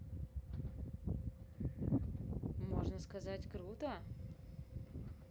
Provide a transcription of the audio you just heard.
можно сказать круто